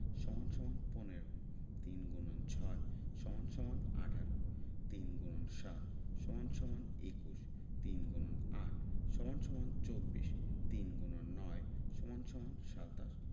= ১৫ ৩ x ৬ = ১৮ ৩ × ৭ = ২১ ৩ X ৮ = ২৪ ৩ X ৯ = ২৭